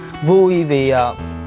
vui vì